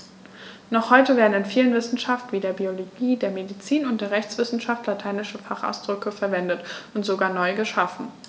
Noch heute werden in vielen Wissenschaften wie der Biologie, der Medizin und der Rechtswissenschaft lateinische Fachausdrücke verwendet und sogar neu geschaffen.